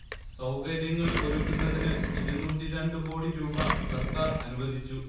സൌകര്യങ്ങൾ ഒരുക്കുന്നതിന് ഇരുനൂറ്റി രണ്ട് കോടി രൂപ സർക്കാർ അനുവദിച്ചു